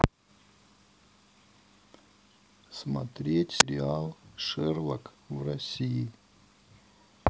смотреть сериал шерлок в россии